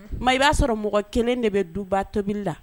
Maa i b'a sɔrɔ mɔgɔ kɛnɛ de bɛ dubatobili la